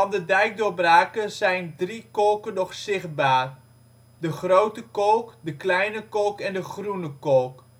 de dijkdoorbraken zijn drie kolken nog zichtbaar: de Grote Kolk, de Kleine Kolk en de Groene Kolk